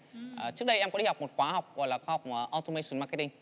trước đây em có đi học một khóa học gọi là khóa học au tu mây sừn ma két tinh